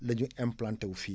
la ñu implanté wu fii